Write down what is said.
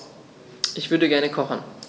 Ich würde gerne kochen.